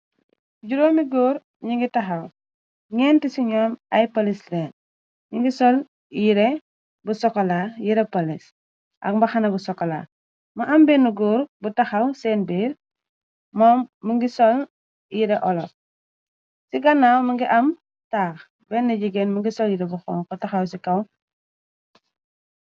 Juróomi góor ñi ngi taxaw nyenti ci ñyoom ay polis leen ñyu ngi sol yire bu sokola yire polis ak mbaxana bu sokola mu am bennu góor bu taxaw seen biir moom mu ngi sol yire olaf ci ganaaw mi ngi am taax benn jigéen mu ngi sol yire bu xoon ko taxaw ci kaw.